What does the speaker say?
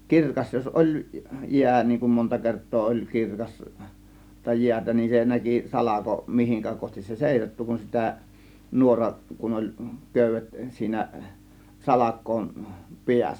kirkas jos oli jää niin kun monta kertaa oli - kirkasta jäätä niin se näki salko mihin kohti se seisahtui kun sitä nuora kun oli köydet siinä salkojen päässä